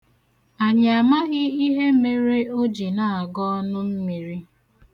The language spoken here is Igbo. Anyị amaghị ihe mere o ji na-agọ ọnụmmiri.